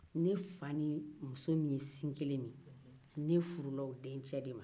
ne fa ni muso min ye sin kelen min ne furula o denkɛ de ma